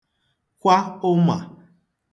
kwa ụmà